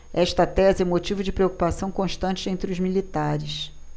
esta tese é motivo de preocupação constante entre os militares